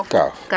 kaaf